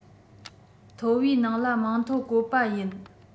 མཐོ བའི ནང ལ མིང ཐོ བཀོད པ ཡིན